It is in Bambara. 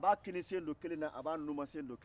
a b'a kini sen don kelen na a b'a numan sen don kelen na